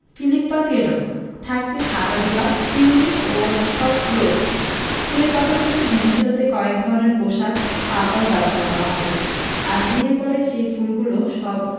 Philippa Craddock থাকছে সাদা গোলাপ পিওনি ও ফক্সগ্লোভস ফুলের পাশাপাশি ভেন্যু সাজাতে কয়েক ধরনের সুন্দর পাতাও ব্যবহার করা হবে আর বিয়ের পর সেই ফুলগুলো সব